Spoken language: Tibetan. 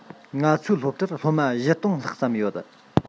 ང ཚོའི སློབ གྲྭར སློབ མ ༤༠༠༠ ལྷག ཙམ ཡོད